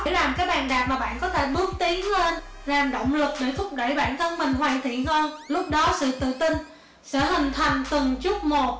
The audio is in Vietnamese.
để làm cái bàn đạp để bạn có thể bước tiến lên làm động lực để thúc đẩy bản thân mình hoàn thiện hơn lúc đó sự tự tin lúc đó sự tự tin sẽ hình thành từng chút một